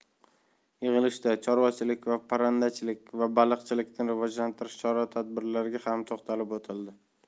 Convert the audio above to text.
yig'ilishda chorvachilik parrandachilik va baliqchilikni rivojlantirish chora tadbirlariga ham to'xtalib o'tildi